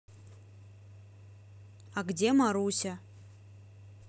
а где маруся